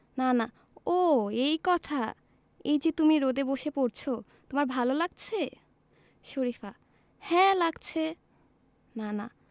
নানা ও এই কথা এই যে তুমি রোদে বসে পড়ছ তোমার ভালো লাগছে শরিফা হ্যাঁ লাগছে নানা